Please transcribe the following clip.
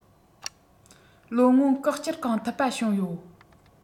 ལོ སྔོན བཀག སྐྱིལ ཁང ཐུབ པ བྱུང ཡོད